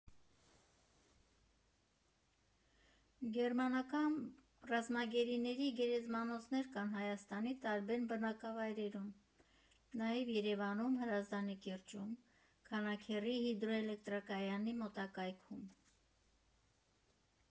Գերմանական ռազմագերիների գերեզմանոցներ կան Հայաստանի տարբեր բնակավայրերում, նաև Երևանում՝ Հրազդանի կիրճում, Քանաքեռի հիդրոէլեկտրակայանի մոտակայքում։